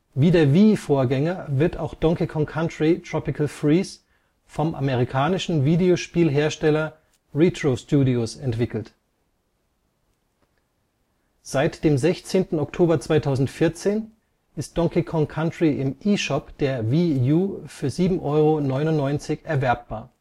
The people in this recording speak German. Wie der Wii-Vorgänger wird auch Donkey Kong Country: Tropical Freeze vom amerikanischen Videospielhersteller Retro Studios entwickelt. Seit dem 16. Oktober 2014 ist Donkey Kong Country im im eShop der Wii U für 7,99 € erwerbbar